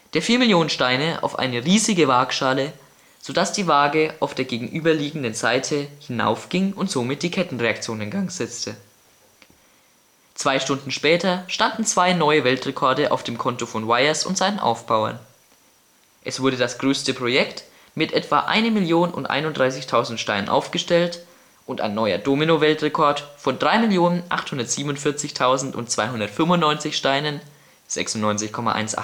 der 4 Millionen Steine auf eine riesige Waagschale, sodass die Waage auf der gegenüberliegenden Seite hinauf ging und somit die Kettenreaktion in Gang setzte. 2 Stunden später standen zwei neue Weltrekorde auf dem Konto von Weijers und seinen Aufbauern. Es wurde das größte Projekt mit etwa 1.031.000 Steinen aufgestellt und ein neuer Domino-Weltrekord von 3.847.295 Steinen (96,18 %